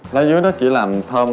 lá dứa nó chỉ làm thơm